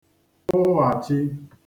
kpụghàchi